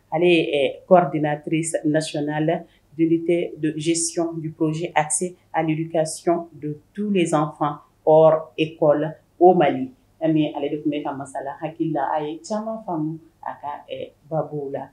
Ale ye kɔɔridinatris nasiyɔnal de zesiyɔn di poroze akse a ledikasiyɔn de tu lɛzanfan hɔr ekɔl o Mali an ni o de tun bɛ ka masala hakilila a ye caman faamu a ka babuw la